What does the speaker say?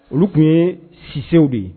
Olu tun ye sisew de ye